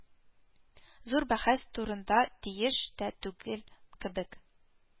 Зур бәхәс тудырырга тиеш тә түгел кебек